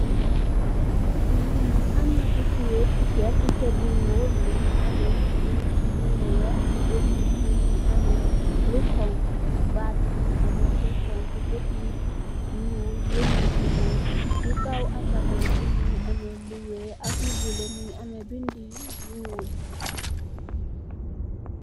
Lii amna ku tiyeh pitcha, pitcha bu njull mungy ameh lu lu wekh cii bot yii, mungy am lu honhu, baat bii mungy ameh lu honhu, bot yii njull, gehmengh bu njull, cii kaw asahmance bii mungy ameh lu wekh ak lu bleu, mungy ameh bindu yu njull.